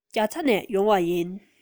རྒྱ ཚ ནས ཡོང བ ཡིན